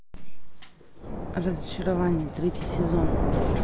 разочарование третий сезон